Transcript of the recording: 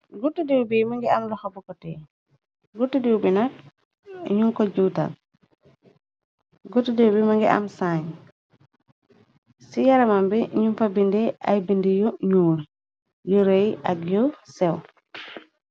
Gottu diw bi mungi am loxo bu ko tem guttu diw bi nak nunko juutal guttu diw bi mëngi am saañ ci yaramam bi ñu fa binde ay bindi yu ñyuur yu rëy ak yu sew.